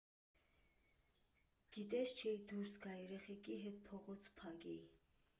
Գիտես չէի դուրս գա՞ երեխեքի հետ փողոց փագեի։